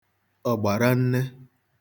ọ̀gbàranne